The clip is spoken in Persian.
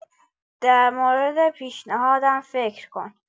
درمورد پیشنهادم فکر کن.